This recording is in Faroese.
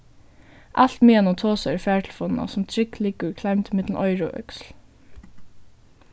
alt meðan hon tosar í fartelefonina sum trygg liggur kleimd millum oyra og øksl